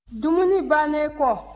dumuni bannen kɔ